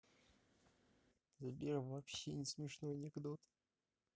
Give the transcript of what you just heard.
сбер вообще не смешной анекдот